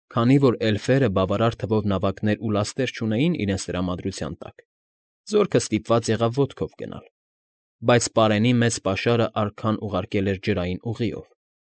Քանի որ էլֆերը բավարար թվով նավակներ ու լաստեր չունեին իրենց տրամադրության տակ, զորքն ստիպված եղավ ոտքով գնալ, բայց պարենի մեծ պաշարն արքան ուղարկել էր ջարային ուղիով։